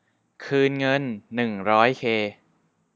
คืนเงินหนึ่งร้อยเค